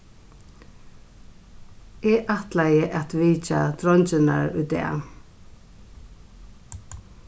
eg ætlaði at vitja dreingirnar í dag